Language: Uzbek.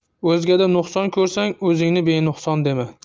o'zgada nuqson ko'rsang o'zingni benuqson dema